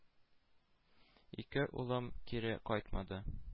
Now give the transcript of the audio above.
Ике улым кире кайтмады,